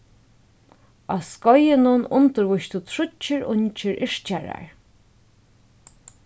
á skeiðinum undirvístu tríggir ungir yrkjarar